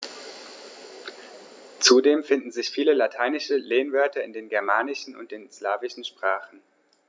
Zudem finden sich viele lateinische Lehnwörter in den germanischen und den slawischen Sprachen.